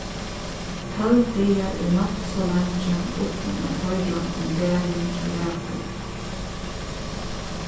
tólv dagar er nokk so leingi uttan at hoyra um dagin hjá rakul